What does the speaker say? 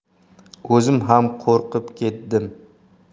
o'zim ham qo'rqib ketdim